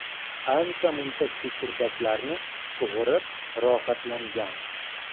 ancha muncha kekirdaklarni sug'urib rohatlangan